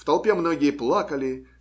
в толпе многие плакали